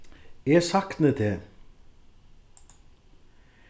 eg sakni teg